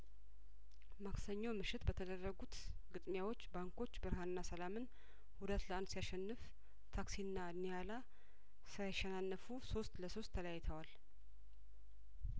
ማክሰኞ ምሽት በተደረጉት ግጥሚያዎች ባንኮች ብርሀንና ሰላምን ሁለት ለአንድ ሲያሸንፍ ታክሲና ኒያላ ሳይሸና ገፉ ሶስት ለሶስት ተለያይተዋል